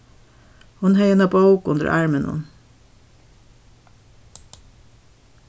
hon hevði eina bók undir arminum